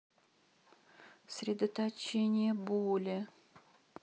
средоточение боли